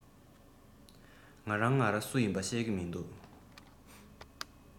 ང རས ང ར སུ ཡིན པ ཤེས གི མི འདུག